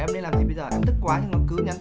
em nên làm gì bây giờ em tức quá nhưng cứ nhắn